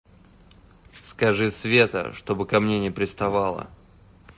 скажи света чтобы ко мне не приставала